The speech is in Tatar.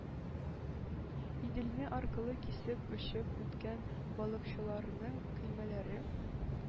Иделне аркылы кисеп очып үткән балыкчыларның көймәләре,